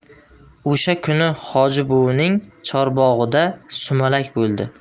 o'sha kuni hoji buvining chorbog'ida sumalak bo'ldi